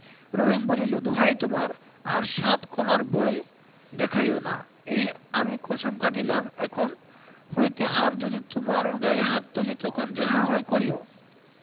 রহিম বলিল দোহাই তোমার আর সাত কলার ভয় দেখাইও এই আমি কছম কাটিলাম এখন হইতে আর যদি তোমার গায়ে হাত তুলি তখন যাহা হয় করিও